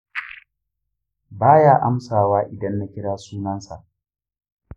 ba ya amsa wa idan na kira sunansa